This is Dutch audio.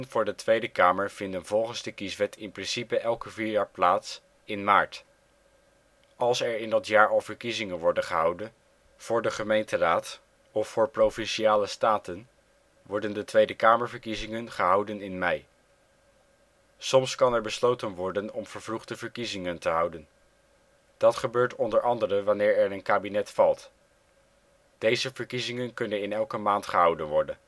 voor de Tweede Kamer vinden volgens de Kieswet in principe elke vier jaar plaats, in maart. Als er in dat jaar al verkiezingen worden gehouden voor de gemeenteraad of voor Provinciale Staten, worden de Tweede Kamerverkiezingen gehouden in mei. Soms kan er besloten worden om vervroegde verkiezingen te houden. Dat gebeurt onder andere wanneer er een kabinet valt. Deze verkiezingen kunnen in elke maand gehouden worden